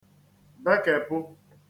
bekèpụ